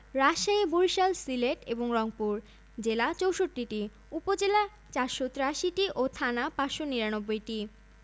৭৬০ kilometre সময়ঃ Greenwich প্রমাণ সমইয়ের চাইতে ৬ ঘন্টা বেশি আয়তন ও সীমাঃ আয়তন ১লক্ষ ৪৭হাজার ৫৭০বর্গকিলোমিটার